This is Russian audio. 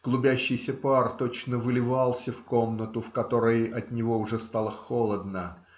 клубящийся пар точно выливался в комнату, в которой от него уже стало холодно.